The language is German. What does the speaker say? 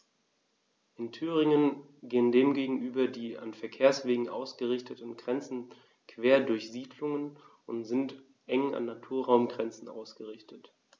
In Thüringen gehen dem gegenüber die an Verkehrswegen ausgerichteten Grenzen quer durch Siedlungen und sind eng an Naturraumgrenzen ausgerichtet.